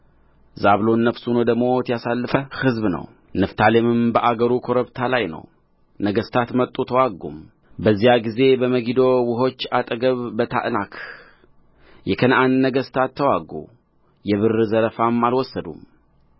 ዛብሎን ነፍሱን ወደ ሞት ያሳለፈ ሕዝብ ነው ንፍታሌምም በአገሩ ኮረብታ ላይ ነው ነገሥታት መጡ ተዋጉም በዚያ ጊዜ በመጊዶ ውኆች አጠገብ በታዕናክ የከነዓን ነገሥታት ተዋጉ የብር ዘረፋም አልወሰዱም